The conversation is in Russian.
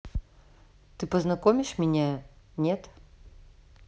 ты познакомишь меня нет